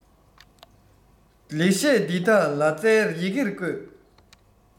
ལེགས བཤད འདི དག ལ ཙའི ཡི གེར བཀོད